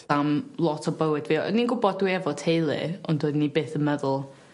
Am lot o bywyd fi oeddwn i'n gwbod dwi efo teulu ond doeddwn i byth yn meddwl